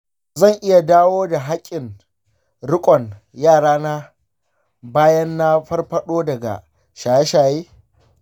shin zan iya dawo da hakkin riƙon yarana bayan na farfado daga shaye-shaye?